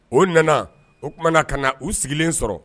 O nana o tumana ka na u sigilen sɔrɔ